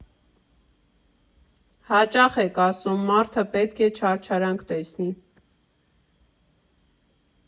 Հաճախ եք ասում՝ մարդը պետք է չարչարանք տեսնի։